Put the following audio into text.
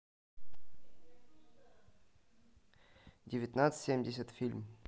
девятнадцать семнадцать фильм